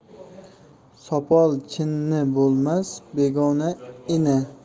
sopol chinni bo'lmas begona ini